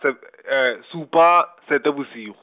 sup- supa, Seetebosigo.